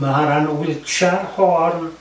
Maharan *Wiltshire Horn